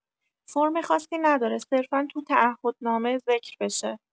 فرم خاصی نداره صرفا تو تعهد نامه ذکر بشه